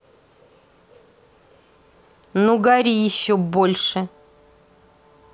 ну гори еще больше